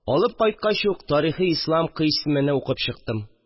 Алып кайткач ук, тарихы ислам кыйсьмене укып чыктым